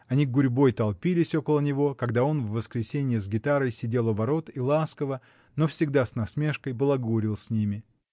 Они гурьбой толпились около него, когда он в воскресенье с гитарой сидел у ворот и ласково, но всегда с насмешкой, балагурил с ними.